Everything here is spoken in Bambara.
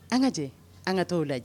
An ka jɛ, an ka taa o laj